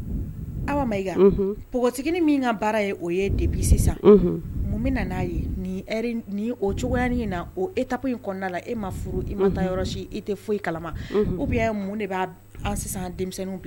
P npogotigi min de bi mun ye cogoyaani e ta in e ma furu taa yɔrɔ si e tɛ foyi kala o bɛ mun de b' sisan denmisɛnnin